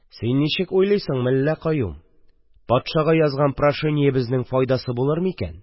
– син ничек уйлыйсың, мелла каюм, патшага язган прошениебезнең файдасы булырмы икән?